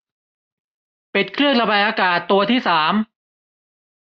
ปิดเครื่องระบายอากาศตัวที่สาม